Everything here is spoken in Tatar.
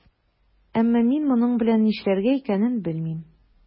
Әмма мин моның белән нишләргә икәнен белмим.